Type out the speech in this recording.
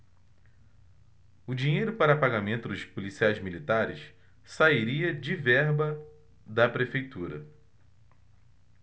o dinheiro para pagamento dos policiais militares sairia de verba da prefeitura